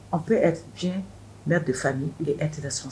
An bɛ n bɛ bɛ fa e tɛla sonsɔn